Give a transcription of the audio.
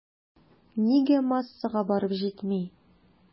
Нигә массага барып җитми?